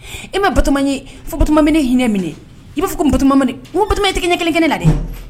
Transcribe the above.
E ma Batɔɔma ye, fo Batɔɔma bɛ ne hinɛ minɛ, i b'a fɔ komi Batɔɔma ma de n lko Batɔɔma ye tɛgɛ ɲɛ kelen kɛ ne na dɛ